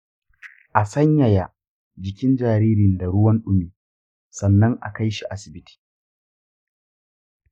a sanyaya jikin jaririn da ruwan dumi, sannan a kai shi asibiti.